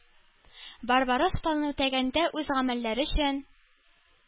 “барбаросс” планын үтәгәндә үз гамәлләре өчен